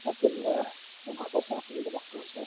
Ac yn yy yn hollol saff yn ei ddyfodol so...